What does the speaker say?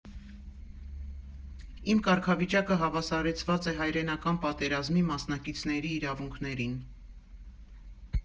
Իմ կարգավիճակը հավասարեցված է Հայրենական պատերազմի մասնակիցների իրավունքներին։